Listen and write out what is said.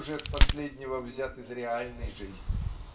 сюжет последнего взят из реальной жизни.